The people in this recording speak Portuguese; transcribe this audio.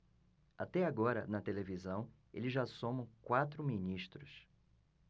até agora na televisão eles já somam quatro ministros